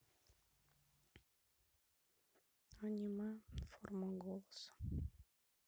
аниме форма голоса